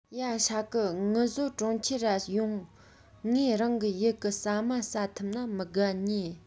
ཡ ཧྲ གི ངུ བཟོ གྲོང ཁྱེར ར ཡོང ངས རང གི ཡུལ གི ཟ མ ཟ ཐུབ ན མི དགའ ནིས